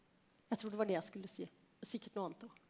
jeg tror det var det jeg skulle si sikkert noe annet òg.